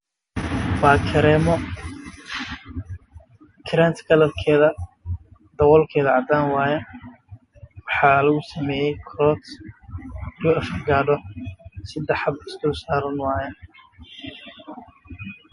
Waa saddex caagad oo ku jiraan kareen